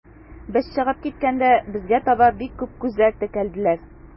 Без чыгып киткәндә, безгә таба бик күп күзләр текәлделәр.